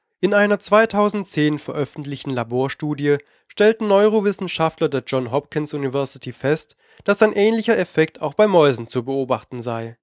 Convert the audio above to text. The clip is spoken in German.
In einer 2010 veröffentlichten Laborstudie stellten Neurowissenschaftler der Johns Hopkins University fest, dass ein ähnlicher Effekt auch bei Mäusen zu beobachten sei